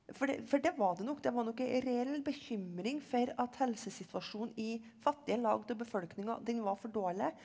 for det for det var det nok det var nok ei reell bekymring for at helsesituasjonen i fattige lag av befolkninga den var for dårlig.